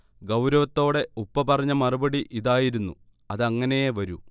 ഗൗരവത്തോടെ ഉപ്പ പറഞ്ഞ മറുപടി ഇതായിരുന്നു: അതങ്ങനെയേ വരൂ